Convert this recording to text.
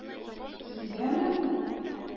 Сезгәме?